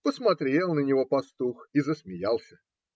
Посмотрел на него пастух и засмеялся.